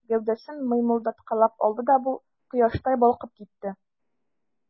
Гәүдәсен мыймылдаткалап алды да бу, кояштай балкып китте.